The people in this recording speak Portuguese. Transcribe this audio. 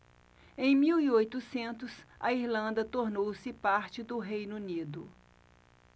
em mil e oitocentos a irlanda tornou-se parte do reino unido